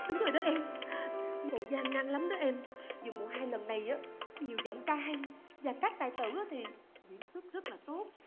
đúng rồi đó em còn gian nan lắm đó em vì vòng hai lần này á nhiều giọng ca hay và các tài tử ớ thì diễn xuất rất là tốt